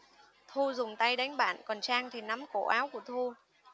thu dùng tay đánh bạn còn trang thì nắm cổ áo của thu